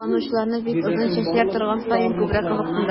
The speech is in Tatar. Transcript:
Кулланучыларны бик озын чәчләр торган саен күбрәк кызыксындыра.